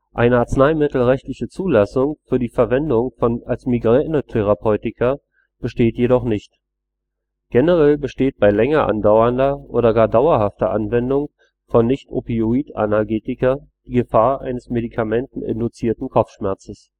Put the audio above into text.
Eine arzneimittelrechtliche Zulassung für die Verwendung als Migränetherapeutika besteht jedoch nicht. Generell besteht bei länger andauernder oder gar dauerhafter Anwendung von Nichtopioid-Analgetika die Gefahr eines medikamenteninduzierten Kopfschmerzes